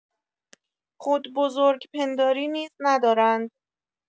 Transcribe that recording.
خودبزرگ‌پنداری نیز ندارند.